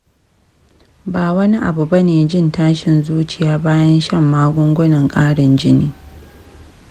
ba wani abu bane jin tashin zuciya bayan shan magunguna ƙarin jini.